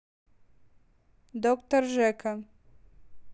доктор жека